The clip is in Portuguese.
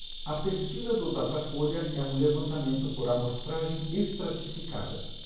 a pesquisa do datafolha é um levantamento por amostragem estratificada